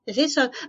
Felly so